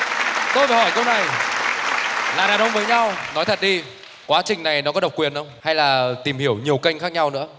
tôi phải hỏi câu này là đàn ông với nhau nói thật đi quá trình này nó có độc quyền không hay là tìm hiểu nhiều kênh khác nhau nữa